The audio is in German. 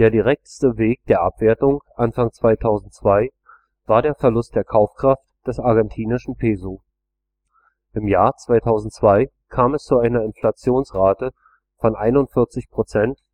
direkteste Effekt der Abwertung Anfang 2002 war der Verlust der Kaufkraft des argentinischen Peso. Im Jahr 2002 kam es zu einer Inflationsrate von 41 %